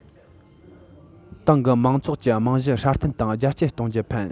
ཏང གི མང ཚོགས ཀྱི རྨང གཞི སྲ བརྟན དང རྒྱ བསྐྱེད གཏོང རྒྱུར ཕན